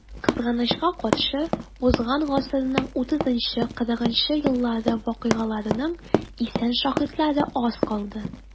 Кызганычка каршы, узган гасырның 30-40 еллары вакыйгаларының исән шаһитлары аз калды.